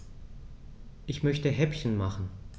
Ich möchte Häppchen machen.